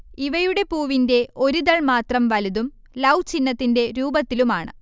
ഇവയുടെ പൂവിന്റെ ഒരിതൾമാത്രം വലുതും ലൗ ചിഹ്നത്തിന്റെ രൂപത്തിലുമാണ്